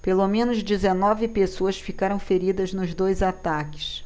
pelo menos dezenove pessoas ficaram feridas nos dois ataques